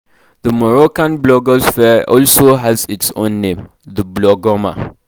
The Moroccan blogosphere also has its own name – the Blogoma.